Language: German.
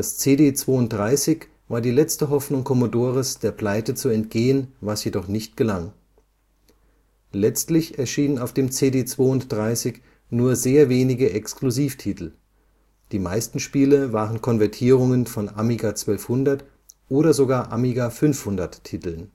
CD³² war die letzte Hoffnung Commodores, der Pleite zu entgehen, was jedoch nicht gelang. Letztlich erschienen auf dem CD³² nur sehr wenige Exklusivtitel. Die meisten Spiele waren Konvertierungen von Amiga-1200 - oder sogar Amiga-500-Titeln